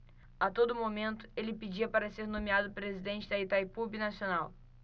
a todo momento ele pedia para ser nomeado presidente de itaipu binacional